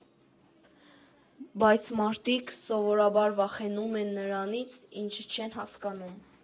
Բայց մարդիկ սովորաբար վախենում են նրանից, ինչը չեն հասկանում։